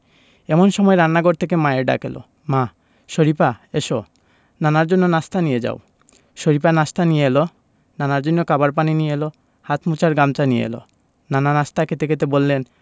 এমন সময় রান্নাঘর থেকে মায়ের ডাক এলো মা শরিফা এসো নানার জন্য নাশতা নিয়ে যাও শরিফা নাশতা নিয়ে এলো নানার জন্য খাবার পানি নিয়ে এলো হাত মোছার গামছা নিয়ে এলো নানা নাশতা খেতে খেতে বললেন